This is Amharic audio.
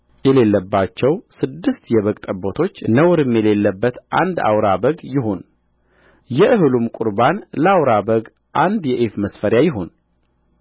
የሌለባቸው ስድስት የበግ ጠቦቶች ነውርም የሌለበት አንድ አውራ በግ ይሁን የእህሉም ቍርባን ለአውራ በጉ አንድ የኢፍ መስፈሪያ ይሁን